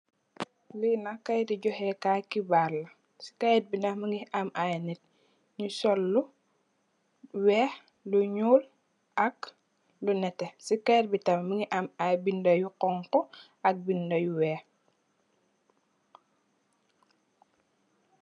Li nak kayiti jokokai xibarr la, si kayit bi nak mugii am ay nit ñu sol lu wèèx lu ñuul ak lu netteh. Si kayit tam mugii am ay bindé yu xonxu ak bindé yu wèèx.